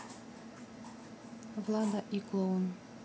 влада и клоун